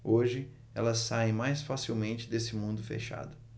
hoje elas saem mais facilmente desse mundo fechado